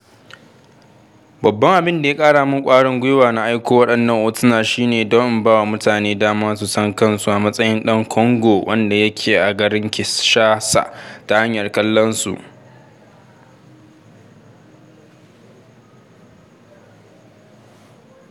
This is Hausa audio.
Babban abin da ya ƙaramin kwarin gwiwa na aiko waɗannan hotuna shine don in bawa mutane dama su sa kansu a matsayin ɗan Kongo, wanda yake a garin Kinshasa, ta hanyar kallonsu.